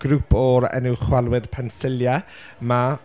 grŵp o'r enw Chwalwyr Pensiliau 'ma.